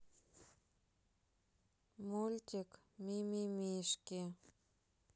мультик ми ми мишки